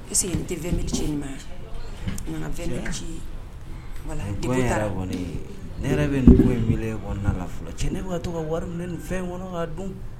Iseke ne tɛ ci nin ma nana fɛn ci taara ye ne yɛrɛ bɛ dugu in wele la fɔlɔ cɛ ne' taa ka wari ni fɛn in kɔnɔ ka dun